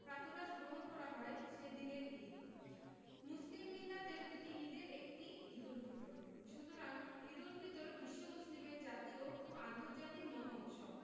প্রাতরাশ গ্রহণ করা হয় সে দিনের ঈদ মুসলিম মিল্লাতের দুটি ঈদের একটি ঈদুল ফিতর সুতরাং ঈদুল ফিতর বিশ্ব মুসলিমের জাতীয় ও আন্তর্জাতিক মহা উৎসব